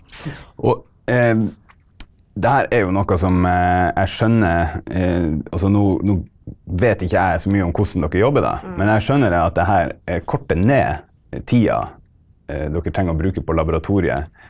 og det her er jo noe som jeg skjønner altså nå nå vet ikke jeg så mye om hvordan dere jobber da, men jeg skjønner det at det her korter ned tida dere trenger å bruke på laboratoriet.